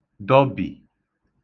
dọbi